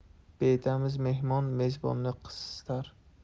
betamiz mehmon mezbonni qistar